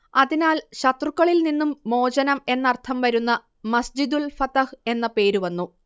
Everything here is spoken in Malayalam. അതിനാൽ ശത്രുക്കളിൽ നിന്നും മോചനം എന്നർത്ഥം വരുന്ന മസ്ജിദുൽ ഫതഹ് എന്ന പേര് വന്നു